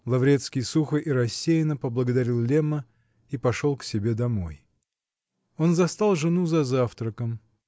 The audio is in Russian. Лаврецкий сухо и рассеянно поблагодарил Лемма и пошел к себе домой. Он застал жену за завтраком